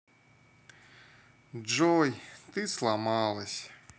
джой ты сломалась